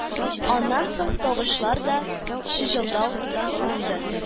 Аннан соң тавышлар да, чыжылдау да тынды